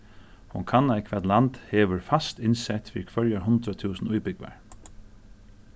hon kannaði hvat land hevur fast innsett fyri hvørjar hundrað túsund íbúgvar